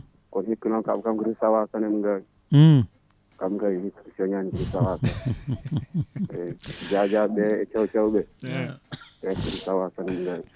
kono hikka noon kam kanko tan fawa * kanko kayi hikka ko coñadidi fawa eyyi Dia Dia ɓe e Sow Sow ɓe ɓen kadi pawa *